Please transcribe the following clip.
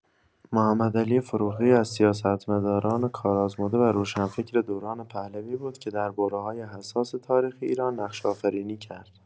محمدعلی فروغی از سیاستمداران کارآزموده و روشنفکر دوران پهلوی بود که در برهه‌های حساس تاریخ ایران نقش‌آفرینی کرد.